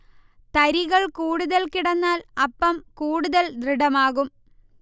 തരികൾ കൂടുതൽ കിടന്നാൽ അപ്പം കൂടുതൽ ദൃഡമാകും